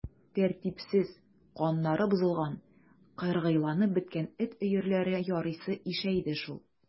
Тәртипсез, каннары бозылган, кыргыйланып беткән эт өерләре ярыйсы ишәйде шул.